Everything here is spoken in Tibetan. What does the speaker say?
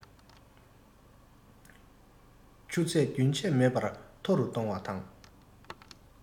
ཆུ ཚད རྒྱུན ཆད མེད པར མཐོ རུ གཏོང བ དང